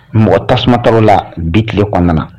Mɔgɔ tasuma taar'o la bi tile kɔnɔna na